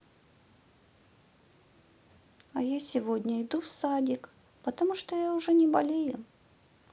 а я сегодня иду в садик потому что я уже не болею